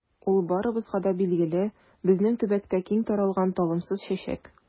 Ул барыбызга да билгеле, безнең төбәктә киң таралган талымсыз чәчәк.